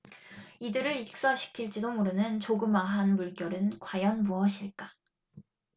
이들을 익사시킬지도 모르는 조그마한 물결은 과연 무엇일까